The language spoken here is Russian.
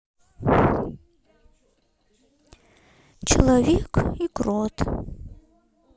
человек и крот